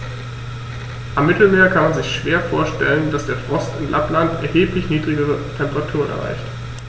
Am Mittelmeer kann man sich schwer vorstellen, dass der Frost in Lappland erheblich niedrigere Temperaturen erreicht.